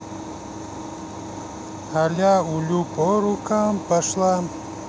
а ля улю по рукам пошла